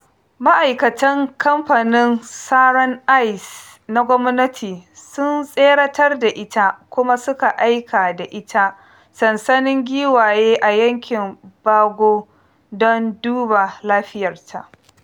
Ma'aikatan kamfanin saran ice na gwamnati sun tseratar da ita kuma suka aika da ita sansanin giwaye a Yankin Bago don duba lafiyarta.